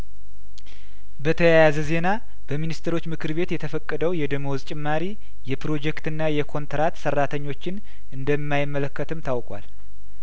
በተያያዘ ዜና በሚኒስትሮች ምክር ቤት የተፈቀደው የደመወዝ ጭማሪ የፕሮጀክትና የኮንትራት ሰራተኞችን እንደማይመለከተም ታውቋል